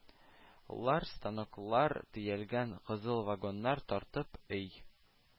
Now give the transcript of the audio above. Лар, станоклар төялгән кызыл вагоннарын тартып, өй